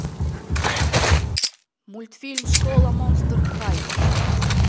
мультфильм школа монстр хай